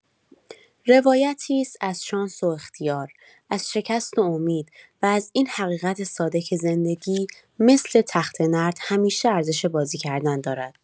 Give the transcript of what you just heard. روایتی است از شانس و اختیار، از شکست و امید، و از این حقیقت ساده که زندگی، مثل تخته‌نرد، همیشه ارزش بازی‌کردن دارد.